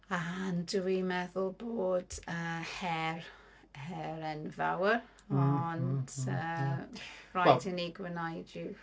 A dwi'n meddwl bod yy her her enfawr, ond yy rhaid i ni gwneud uwch.